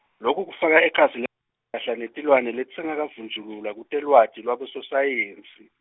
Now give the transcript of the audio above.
loku kufaka ekhatsi la- -alha netilwane letisengakavunjululwa kutelwati lwabososayensi.